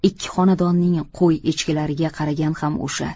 ikki xonadonning qo'y echkilariga qaragan ham o'sha